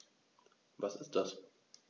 Was ist das?